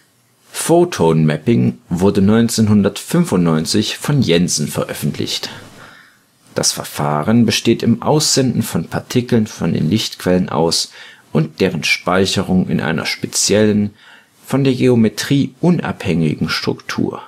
Photon Mapping Ein mit Photon Mapping gerendertes Bild; zu erkennen ist eine mit diesem Algorithmus effizient simulierte Kaustik. wurde 1995 von Jensen veröffentlicht. Das Verfahren besteht im Aussenden von Partikeln von den Lichtquellen aus und deren Speicherung in einer speziellen, von der Geometrie unabhängigen Struktur